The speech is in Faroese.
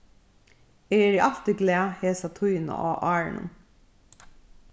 eg eri altíð glað hesa tíðina á árinum